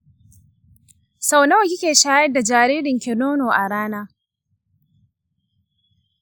sau nawa kike shayar da jaririnki nono a rana?